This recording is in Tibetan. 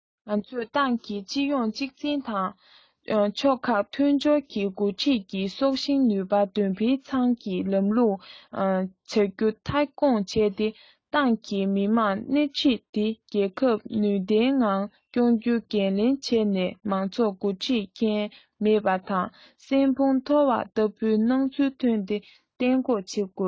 ང ཚོས ཏང གི སྤྱི ཡོངས གཅིག འཛིན དང ཕྱོགས ཁག མཐུན སྦྱོར གྱི འགོ ཁྲིད ཀྱི སྲོག ཤིང ནུས པ འདོན སྤེལ ཚང གི ལམ ལུགས བྱ རྒྱུ མཐའ འཁྱོངས བྱས ཏེ ཏང གིས མི དམངས སྣེ ཁྲིད དེ རྒྱལ ཁབ ནུས ལྡན ངང སྐྱོང རྒྱུའི འགན ལེན བྱས ནས མང ཚོགས འགོ འཁྲིད མཁན མེད པ དང སྲན ཕུང ཐོར བ ལྟ བུའི སྣང ཚུལ ཐོན རྒྱུ གཏན འགོག བྱེད དགོས